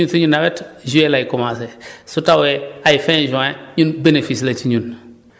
parce que ñun suñu nawet juillet lay commencé su tawee ay fin juin ñun bénéfice la si ñun